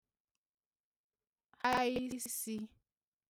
ha isī